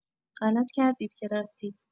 غلط کردید که رفتید!